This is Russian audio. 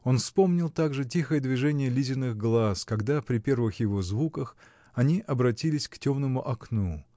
он вспомнил также тихое движение Лизиных глаз, когда, при первых его звуках, они обратились к темному окну.